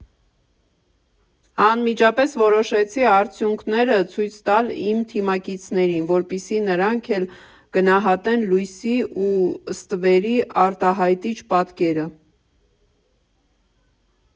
Անմիջապես որոշեցի արդյունքները ցույց տալ իմ թիմակիցներին, որպեսզի նրանք էլ գնահատեն լույսի ու ստվերի արտահայտիչ պատկերը։